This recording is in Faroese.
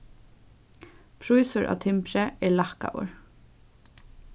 prísur á timbri er lækkaður